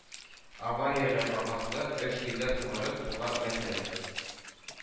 Аварияләр аркасында, өч йөзләп самолет суга мәтәлә.